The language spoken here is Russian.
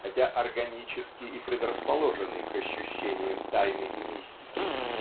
хотя органически и предрасположенный к ощущениям тайны и мистики